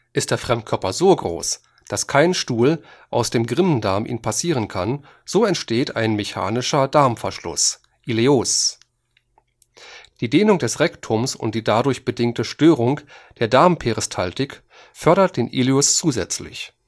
Ist der Fremdkörper so groß, dass kein Stuhl aus dem Grimmdarm ihn passieren kann, so entsteht ein mechanischer Darmverschluss (Ileus). Die Dehnung des Rektums und die dadurch bedingte Störung der Darmperistaltik fördern den Ileus zusätzlich